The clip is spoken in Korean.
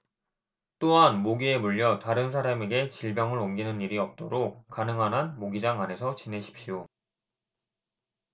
또한 모기에 물려 다른 사람에게 질병을 옮기는 일이 없도록 가능한 한 모기장 안에서 지내십시오